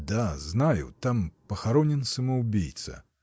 — Да, знаю: там похоронен самоубийца.